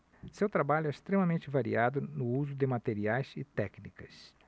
seu trabalho é extremamente variado no uso de materiais e técnicas